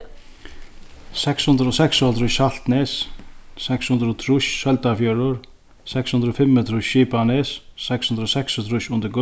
seks hundrað og seksoghálvtrýss saltnes seks hundrað og trýss søldarfjørður seks hundrað og fimmogtrýss skipanes seks hundrað og seksogtrýss undir